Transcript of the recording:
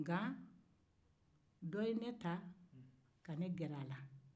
ngan dɔ ye ne ta ka ne gɛrɛ a la